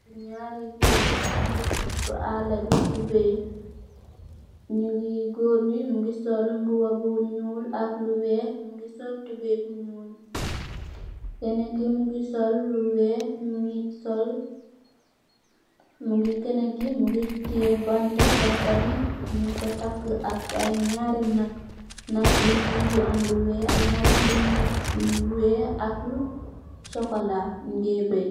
Naari goor la nyu si aala bi di beey nyungi gorr b mongi sol mbuba bu nuul ak lu weex mongi sol tubai bu nuul kenen ki mongi sol lu weex mongi sol mogi kenen ki mongi tiyex banta banta bi ñyun ko taka ak ay naari naak naak bu nuul bu am lu weex naak bu week ak lu cxocola moge baay.